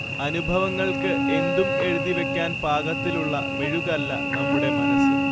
അനുഭവങ്ങൾക്ക് എന്തും എഴുതിവെക്കാൻ പാകത്തിലുള്ള മെഴുകല്ല നമ്മുടെ മനസ്സ്